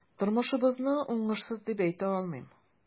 Тормышыбызны уңышсыз дип әйтә алмыйм.